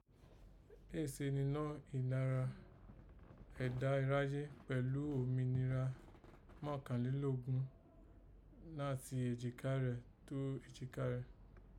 Èé se ninọ́ ìnara ẹ̀dá iráyé, kpẹ̀lú òmìnira mọ́kànlénogún, nàti èjìká rẹ̀ tó èjìká rẹ̀